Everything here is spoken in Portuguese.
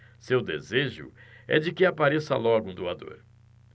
seu desejo é de que apareça logo um doador